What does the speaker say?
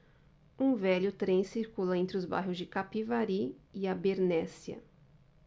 um velho trem circula entre os bairros de capivari e abernéssia